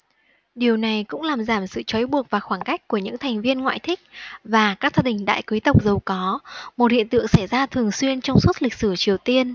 điều này cũng làm giảm sự trói buộc và khoảng cách của những thành viên ngoại thích và các gia đình đại quý tộc giàu có một hiện tượng xảy ra thường xuyên trong suốt lịch sử triều tiên